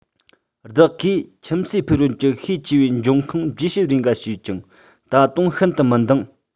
བདག གིས ཁྱིམ གསོས ཕུག རོན གྱི ཤས ཆེ བའི འབྱུང ཁུངས རྒྱས བཤད རེ འགའ བྱས ཀྱང ད དུང ཤིན ཏུ མི འདང